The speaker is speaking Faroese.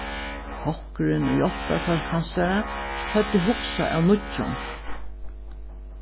kokkurin og hjálparfólk hansara høvdu hugsað av nýggjum